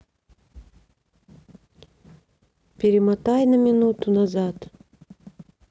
перемотай на минуту назад